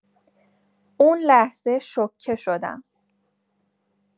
اون لحظه شوکه شدم.